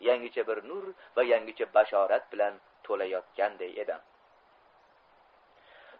yangicha nur va yangicha bashorat bilan to'layotganday edi